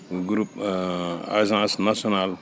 groupe agence nationale